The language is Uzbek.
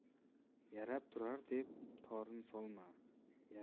yarab turar deb torn solma